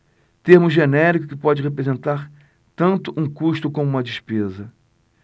termo genérico que pode representar tanto um custo como uma despesa